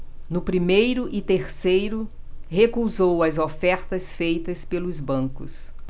no primeiro e terceiro recusou as ofertas feitas pelos bancos